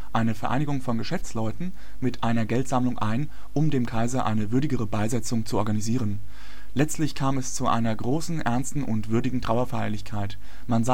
eine Vereinigung von Geschäftsleuten, mit einer Geldsammlung ein, um dem Kaiser eine würdigere Beerdigung zu organisieren. Letztlich kam es zu einer großen, ernsten und würdigen Trauerfeierlichkeit: Man